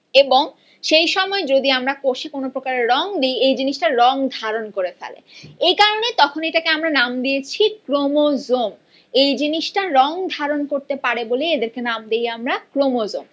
এবং সেই সময় যদি আমরা কোষে কোন প্রকার রং দেই এই জিনিসটার রং ধারণ করে ফেলে এ কারণে তখন এইটাকে আমরা নাম দিয়েছি ক্রোমোজোম এই জিনিসটা রং ধারণ করতে পারে বলে এদের কে নাম দেই আমরা ক্রোমোজোম